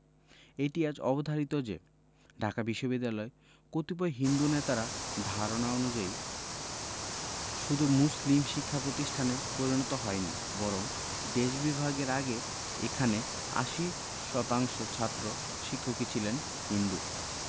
এটি আজ অবধারিত যে ঢাকা বিশ্ববিদ্যালয় কতিপয় হিন্দু নেতার ধারণা অনুযায়ী শুধু মুসলিম শিক্ষা প্রতিষ্ঠানে পরিণত হয় নি বরং দেশ বিভাগের আগে এখানে ৮০% ছাত্র শিক্ষকই ছিলেন হিন্দু